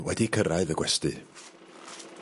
...wedi cyrraedd y gwesty.